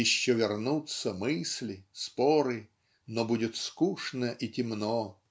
Еще вернутся мысли, споры, Но будет скучно и темно